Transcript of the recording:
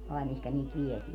ai mihin niitä vietiin